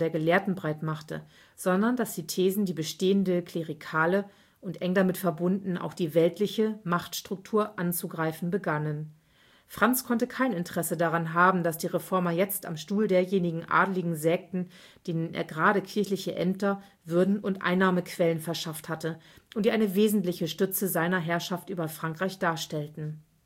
Gelehrten breit machte, sondern dass die Thesen die bestehende klerikale (und eng damit verbunden auch die weltliche) Machtstruktur anzugreifen begannen. Franz konnte kein Interesse daran haben, dass die Reformer jetzt am Stuhl derjenigen Adeligen sägten, denen er gerade kirchliche Ämter, Würden und Einnahmequellen verschafft hatte, und die eine wesentliche Stütze seiner Herrschaft über Frankreich darstellten